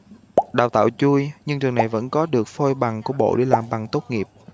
đào tạo chui nhưng trường này vẫn có được phôi bằng của bộ để làm bằng tốt nghiệp